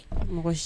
Mɔgɔ si